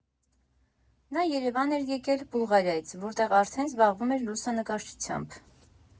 Նա Երևան էր եկել Բուլղարիայից, որտեղ արդեն զբաղվում էր լուսանկարչությամբ։